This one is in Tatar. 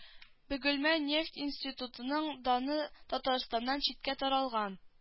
Бөгелмә нефть институтының даны татарстаннан читкә таралган